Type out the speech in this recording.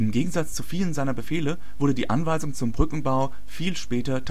Gegensatz zu vielen seiner Befehle wurde die Anweisung zum Brückenbau viel später